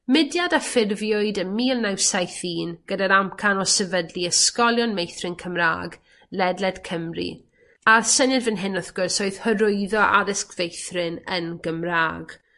Mudiad a ffurfiwyd ym mil naw saith un gyda'r amcan o sefydlu ysgolion Meithrin Cymra'g ledled Cymru a'r syniad fyn hyn wrth gwrs oedd hyrwyddo addysg feithrin yn Gymra'g.